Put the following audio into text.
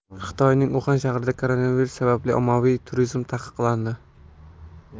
xitoyning uxan shahrida koronavirus sababli ommaviy turizm taqiqlandi